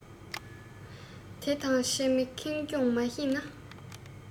འདི དང ཕྱི མའི ཁེ གྱོང མ ཤེས ན